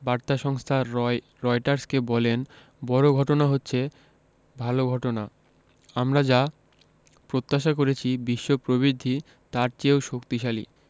বার্তা সংস্থা রয়টার্সকে বলেন বড় ঘটনা হচ্ছে ভালো ঘটনা আমরা যা প্রত্যাশা করেছি বিশ্ব প্রবৃদ্ধি তার চেয়েও শক্তিশালী